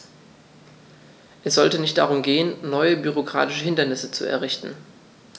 Es sollte nicht darum gehen, neue bürokratische Hindernisse zu errichten.